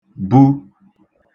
bu